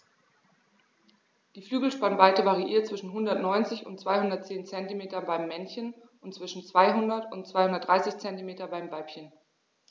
Die Flügelspannweite variiert zwischen 190 und 210 cm beim Männchen und zwischen 200 und 230 cm beim Weibchen.